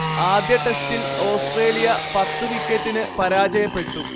ആദ്യ ടെസ്റ്റിൽ ഓസ്ട്രേലിയ പത്ത് വിക്കറ്റിന് പരാജയപ്പെട്ടു